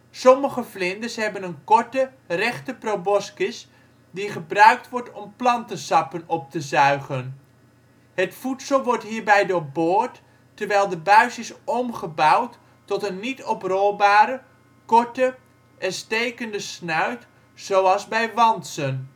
Sommige vlinders hebben een korte, rechte proboscis die gebruikt wordt om plantensappen op te zuigen. Het voedsel wordt hierbij doorboord terwijl de buis is omgebouwd tot een niet-oprolbare, korte en stekende snuit zoals bij wantsen